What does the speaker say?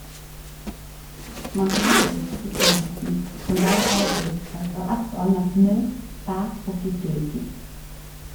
Man kan også lytte til stillheten, som bare avbrytes av ett og annet mø, bæ og kykeliky.